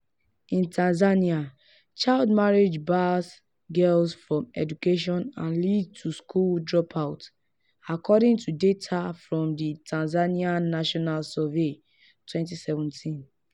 In Tanzania, child marriage bars girls from education and leads to school dropout, according to data from the Tanzania National Survey, 2017).